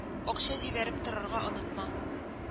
Акча җибәреп торырга онытма